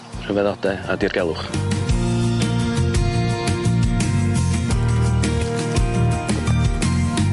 Ryfeddode a dirgelwch.